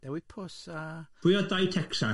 Dewi Pws a pwy oedd Dai Tecsas?